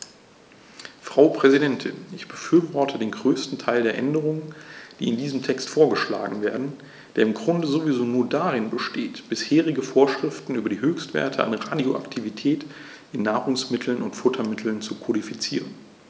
Frau Präsidentin, ich befürworte den größten Teil der Änderungen, die in diesem Text vorgeschlagen werden, der im Grunde sowieso nur darin besteht, bisherige Vorschriften über die Höchstwerte an Radioaktivität in Nahrungsmitteln und Futtermitteln zu kodifizieren.